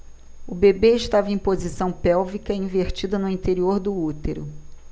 o bebê estava em posição pélvica invertida no interior do útero